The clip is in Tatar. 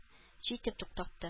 Җитеп туктатты